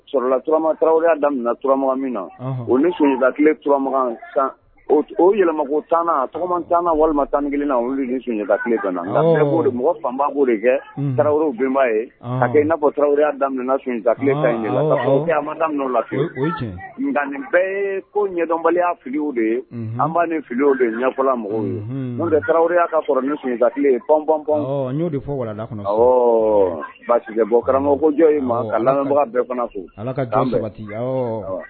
Sɔrɔlalaurama tarawelerawya daurama min na o ni sunjatakaleurama kan o yɛlɛma tanana tanana walima tan nina wuli ni sunjataɲɛkale na mɔgɔ fanba de kɛ taraweleraww bɛnenba ye a n'a bɔ tarawelerawya daminɛ sunjatakale in ma daminɛ la nka nin bɛɛ ye ko ɲɛdɔnbaliya filiw de ye an b' ni filiw de yefɔla mɔgɔw ye taraweleya ka sɔrɔ ni sunjatakale ye pan-ɔnɔn baasi bɔ karamɔgɔjɔ ka lamɛnbaga bɛɛ fana